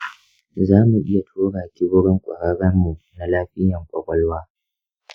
zamu iya tura ki wurin ƙwararren mu na lafiyan ƙwaƙwalwa.